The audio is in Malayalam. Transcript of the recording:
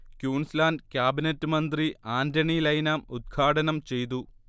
ക്യൂൻസ് ലാൻഡ് കാബിനറ്റ് മന്ത്രി ആന്റണി ലൈനാം ഉത്ഘാടനം ചെയ്തു